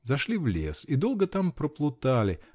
Зашли в лес и долго там проплутали